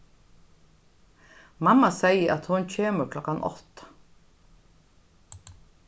mamma segði at hon kemur klokkan átta